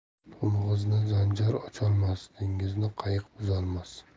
tog'ni zanjir ocholmas dengizni qayiq buzolmas